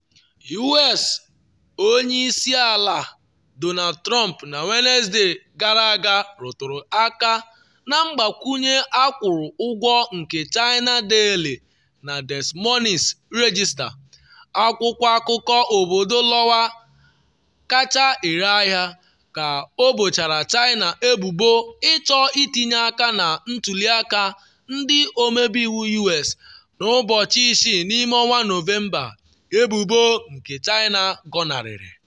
U.S. Onye Isi Ala Donald Trump na Wenesde gara aga rụtụrụ aka na mgbakwunye akwụrụ ụgwọ nke China Daily na Des Moines Register - akwụkwọ akụkọ obodo Iowa kacha ere ahịa - ka o bochara China ebubo ịchọ itinye aka na ntuli aka ndị ọmebe iwu U.S na Nọvemba 6, ebubo nke China gọnarịrị.